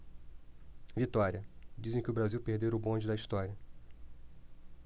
vitória dizem que o brasil perdeu o bonde da história